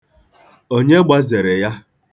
Onye gbazere ya?